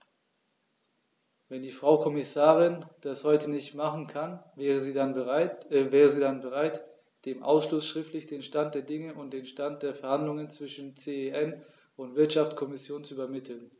Wenn die Frau Kommissarin das heute nicht machen kann, wäre sie dann bereit, dem Ausschuss schriftlich den Stand der Dinge und den Stand der Verhandlungen zwischen CEN und Wirtschaftskommission zu übermitteln?